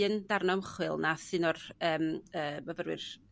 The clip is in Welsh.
un darn o ymchwil nath un o'r yym y myfyrwyr